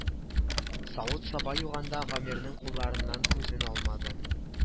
Савыт-саба юганда гамирның кулларыннан күзен алмады